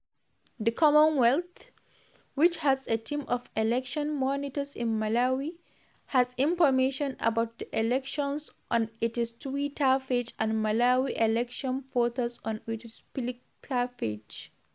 The Commonwealth, which has a team of election monitors in Malawi, has information about the elections on its twitter page and Malawi election photos on its Flickr page.